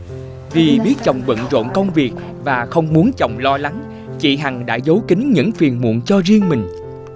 vì biết chồng bận rộn công việc và không muốn chồng lo lắng chị hằng đã giấu kín những phiền muộn cho riêng mình